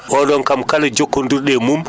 oo ɗoon kam kala jokkonndirɗo e mum